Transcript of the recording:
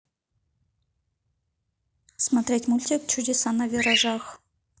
смотреть мультик чудеса на виражах